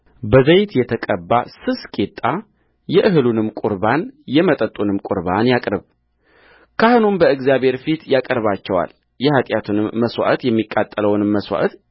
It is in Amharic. በዘይትም የተቀባ ስስ ቂጣ የእህሉንም ቍርባን የመጠጡንም ቍርባን ያቅርብካህኑም በእግዚአብሔር ፊት ያቀርባቸዋል የኃጢአቱንም መሥዋዕት የሚቃጠለውንም መሥዋዕት